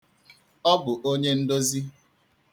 Ọ bụ onye ndozi.